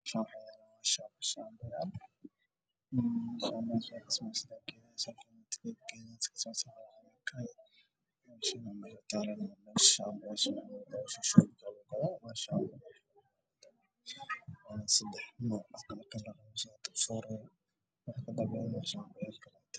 Beeshan meel dukaan ah loo gadaa shubin miiska waxaa saaran ba cagaar ah gareen cagaar ah iyo wax kale